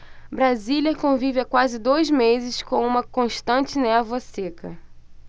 brasília convive há quase dois meses com uma constante névoa seca